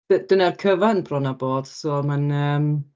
b- dyna'r cyfan bron a bod, so ma'n yym...